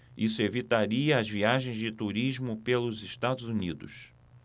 isso evitaria as viagens de turismo pelos estados unidos